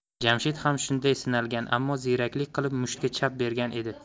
jamshid ham shunday sinalgan ammo ziyraklik qilib mushtga chap bergan edi